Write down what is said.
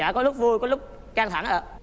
dạ có lúc vui có lúc căng thẳng ạ